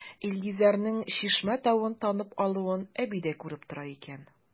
Илгизәрнең Чишмә тавын танып алуын әби дә күреп тора икән.